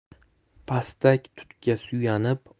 pastak tutga suyanib